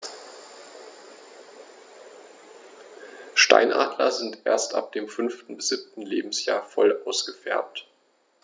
Steinadler sind erst ab dem 5. bis 7. Lebensjahr voll ausgefärbt.